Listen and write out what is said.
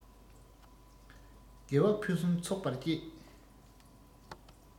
དགེ བ ཕུན སུམ ཚོགས པར སྤྱད